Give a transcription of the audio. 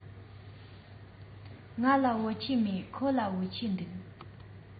ང ལ བོད ཆས མེད ཁོ ལ བོད ཆས འདུག